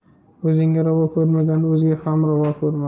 o'zingga ravo ko'rmaganni o'zgaga ham ravo ko'rma